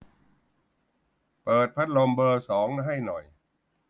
เปิดพัดลมเบอร์สองให้หน่อย